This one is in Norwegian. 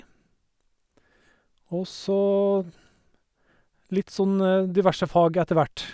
Og så litt sånn diverse fag etter hvert.